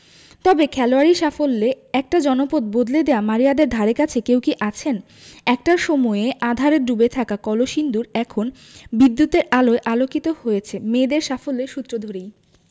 তবে খেলোয়াড়ি সাফল্যে একটা জনপদ বদলে দেয়া মারিয়াদের ধারেকাছে কেউ কি আছেন একটা সময়ে আঁধারে ডুবে থাকা কলসিন্দুর এখন বিদ্যুতের আলোয় আলোকিত হয়েছে মেয়েদের সাফল্যের সূত্র ধরেই